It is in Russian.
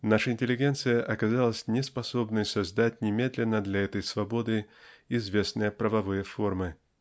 Наша интеллигенция оказалась неспособной создать немедленно для этой свободы известные правовые формы.